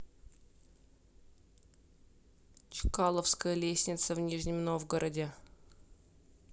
чкаловская лестница в нижнем новгороде